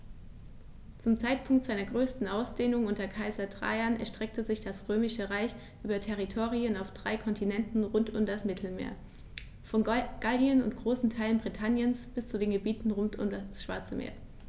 Zum Zeitpunkt seiner größten Ausdehnung unter Kaiser Trajan erstreckte sich das Römische Reich über Territorien auf drei Kontinenten rund um das Mittelmeer: Von Gallien und großen Teilen Britanniens bis zu den Gebieten rund um das Schwarze Meer.